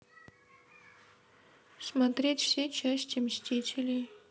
смотреть все части мстителей